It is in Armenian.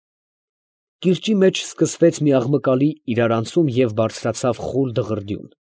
Կիրճի մեջ սկսվեց մի աղմկալի իրարանցում և բարձրացավ խուլ դղրդյուն։